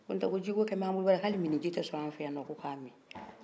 ko jiko kɛlen bɛ anw bolo baara ye ko hali minniji tɛ sɔrɔ an fɛ yan nɔ ko k' a min